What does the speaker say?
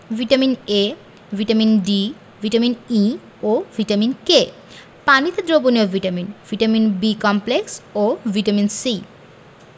vitamin A vitamin D vitamin E ও vitamin K পানিতে দ্রবণীয় ভিটামিন ভিটামিন B কমপ্লেক্স এবং ভিটামিন C